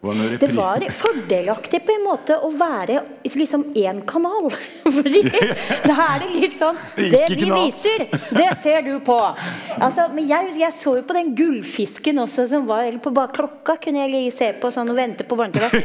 det var fordelaktig på en måte å være liksom én kanal fordi da er det litt sånn det vi viser det ser du på, altså men jeg jeg så jo på den gullfisken også som var på bare klokka kunne jeg ligge å se på sånn å vente på \barne-tv.